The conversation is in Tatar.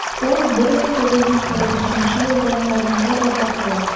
Ул 1945 елда Казанда вафат була.